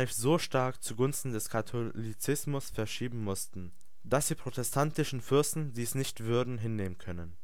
so stark zugunsten des Katholizismus verschieben mussten, dass die protestantischen Fürsten dies nicht würden hinnehmen können